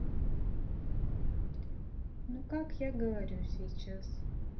ну как я говорю сейчас